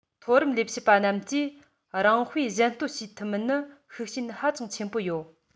མཐོ རིམ ལས བྱེད པ རྣམས ཀྱིས རང དཔེ གཞན སྟོན བྱེད ཐུབ མིན ནི ཤུགས རྐྱེན ཧ ཅང ཆེན པོ ཡོད